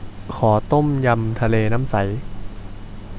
ขอต้มยำทะเลน้ำใส